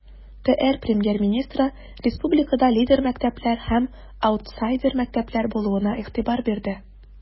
ТР Премьер-министры республикада лидер мәктәпләр һәм аутсайдер мәктәпләр булуына игътибар бирде.